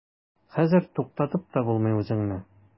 Хәзер туктатып та булмый үзеңне.